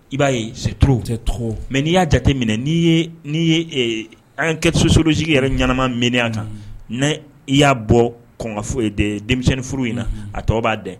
I b'a ye mɛ n'i y'a jate minɛ ni n'i ye an kɛ sosolonsigi yɛrɛ ɲɛnaɛnɛma mini kan n i y'a bɔ kɔnkanfo ye denmisɛnninf furu in na a tɔ b'a dɛ